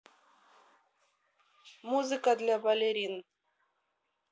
музыка для балерин